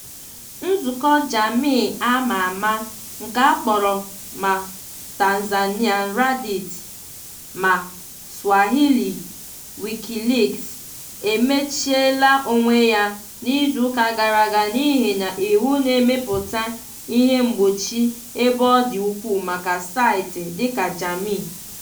Nzukọ Jamii a ma ama - nke a kpọrọ ma "Tanzanian Reddit" ma "Swahili Wikileaks" - emechiela onwe ya n'izuụka gara aga n'ihi na iwu na-emepụta ihe mgbochi ebe ọ dị ukwuu maka saịtị dịka Jamii.